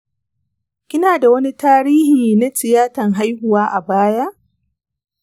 kina da wani tarihi na tiyatan haihuwa a baya?